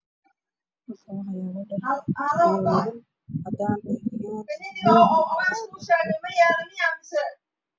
Waa carwo waxa ii muuqdo dhar buluug cadaan meel saaran